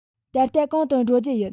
ད ལྟ གང དུ འགྲོ རྒྱུ ཡིན